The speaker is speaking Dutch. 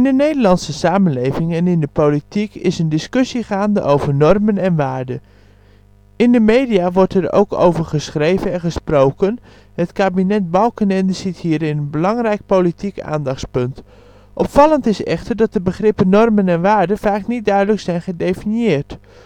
Nederlandse samenleving en in de politiek is een discussie gaande over normen en waarden. In de media wordt er ook over geschreven en gesproken. Het kabinet Balkenende ziet hierin een belangrijk politiek aandachtspunt. Opvallend is echter dat de begrippen normen en waarden vaak niet duidelijk zijn gedefinieerd